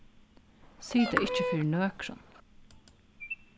sig tað ikki fyri nøkrum